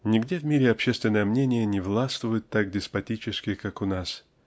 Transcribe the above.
Нигде в мире общественное мнение не властвует так деспотически как у нас